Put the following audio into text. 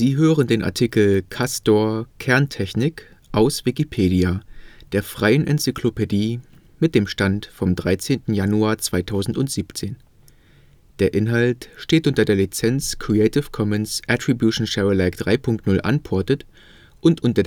hören den Artikel Castor (Kerntechnik), aus Wikipedia, der freien Enzyklopädie. Mit dem Stand vom Der Inhalt steht unter der Lizenz Creative Commons Attribution Share Alike 3 Punkt 0 Unported und